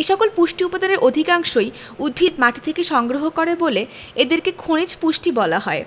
এসকল পুষ্টি উপাদানের অধিকাংশই উদ্ভিদ মাটি থেকে সংগ্রহ করে বলে এদেরকে খনিজ পুষ্টি বলা হয়